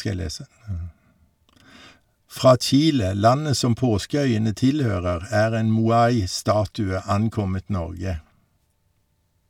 Fra Chile, landet som Påskeøyene tilhører, er en Moai (statue) ankommet Norge.